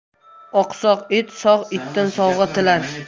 oqsoq it sog' itdan sovg'a tilar